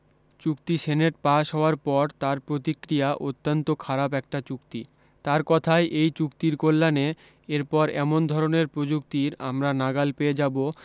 চুক্তি senate pass হওয়ার পর তার প্রতিক্রিয়া অত্যন্ত খারাপ একটা চুক্তি তার কথায় এই চুক্তির কল্যাণে এরপর এমন ধরণের প্রযুক্তির আমরা নাগাল পেয়ে যাব